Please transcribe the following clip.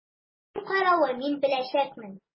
Аның каравы, мин беләчәкмен!